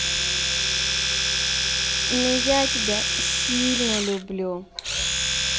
ну я тебя сильно люблю